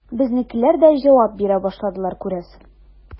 Безнекеләр дә җавап бирә башладылар, күрәсең.